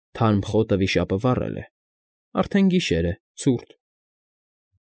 Թարմ խոտը վիշապը վառել է, արդեն գիշեր է, ցուրտ։